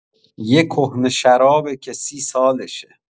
یه کهنه شرابه که سی سالشه.